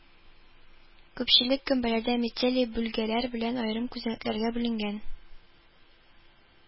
Күпчелек гөмбәләрдә мицелий бүлгәләр белән аерым күзәнәкләргә бүленгән